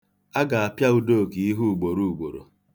A ga-apịa Udoka ihe ugboruugboro.